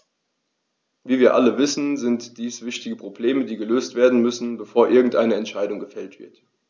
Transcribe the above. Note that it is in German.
Wie wir alle wissen, sind dies wichtige Probleme, die gelöst werden müssen, bevor irgendeine Entscheidung gefällt wird.